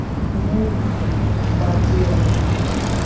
нюхай и babel